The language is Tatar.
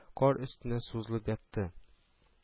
Кар өстенә сузылып ятты